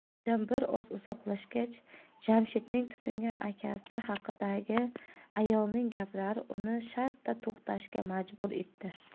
uydan bir oz uzoqlashgach jamshidning tutingan akasi haqidagi ayolning gaplari uni shartta to'xtashga majbur etdi